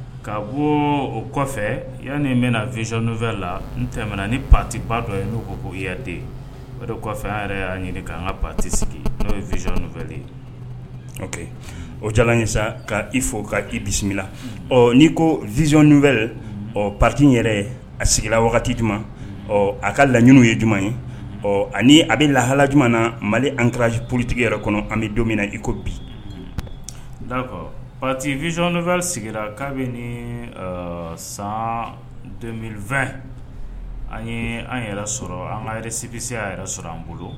K' bɔ o kɔfɛ i yanani bɛna na vzfɛ la n tɛm ni patiba dɔ ye n'o ko i ya den o de kɔfɛ an yɛrɛ y'a ɲini ka an ka pati sigi n'o ye vzfɛlen o jala ye sa ka i fɔ ka i bisimila ɔ n'i kozonfɛɛlɛ ɔ pati yɛrɛ a sigira wagati jumɛn ɔ a ka laɲini ye jumɛn ye ɔ ani a bɛ lahala jumɛn na mali ankuraji porotigi yɛrɛ kɔnɔ an bɛ don min na i ko bi' fɔ pa vzɔnfɛ sigira k'a bɛ ni san denmisɛnnin2 an an yɛrɛ sɔrɔ an ka yɛrɛ sibisi a yɛrɛ sɔrɔ an bolo